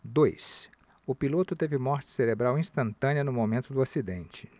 dois o piloto teve morte cerebral instantânea no momento do acidente